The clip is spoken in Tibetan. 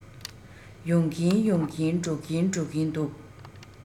ཡོང གིན ཡོང གིན འགྲོ གིན འགྲོ གིན འདུག